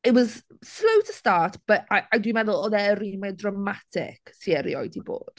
It was slow to start, but I I... dwi'n meddwl oedd e'r un mwyaf dramatic sy erioed 'di bod.